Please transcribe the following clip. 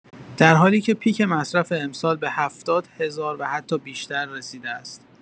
در حالی که پیک مصرف امسال به ۷۰ هزار و حتی بیشتر رسیده است.